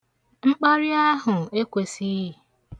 Mkparị ahụ ekwesighị.